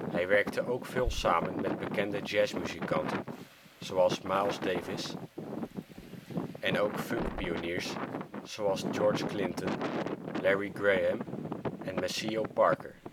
Hij werkte ook veel samen met bekende jazzmuzikanten zoals Miles Davis, en ook funkpioniers zoals George Clinton, Larry Graham en Maceo Parker